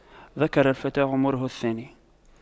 ذكر الفتى عمره الثاني